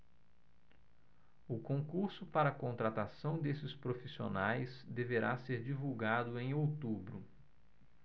o concurso para contratação desses profissionais deverá ser divulgado em outubro